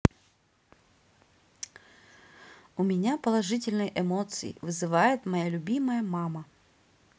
у меня положительные эмоции вызывает моя любимая мама